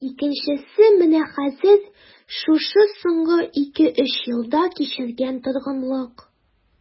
Икенчесе менә хәзер, шушы соңгы ике-өч елда кичергән торгынлык...